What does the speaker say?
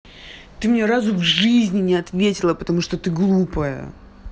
ты мне разу в жизни не ответила хорошо потому что ты глупая